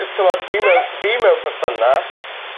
If t'mod fi mew-... Beth? ...fi mewn perthynas